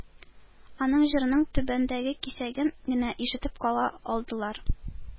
Аның җырының түбәндәге кисәген генә ишетеп кала алдылар,